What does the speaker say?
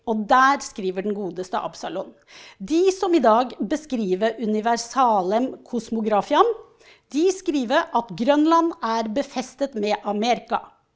og der skriver den godeste Absalon, de som i dag beskriver universalem kosmografian, de skriver at Grønland er befestet med Amerika.